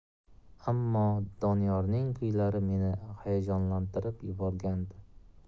ammo doniyorning kuylari meni hayajonlantirib yuborgandi